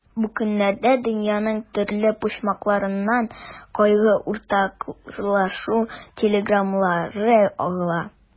Бу көннәрдә дөньяның төрле почмакларыннан кайгы уртаклашу телеграммалары агыла.